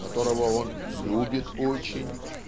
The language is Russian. которого он "любит очень"